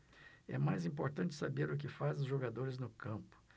é mais importante saber o que fazem os jogadores no campo